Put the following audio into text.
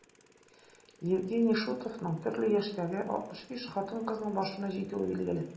Евгений Шутовның төрле яшьтәге 65 хатын-кызның башына җитүе билгеле.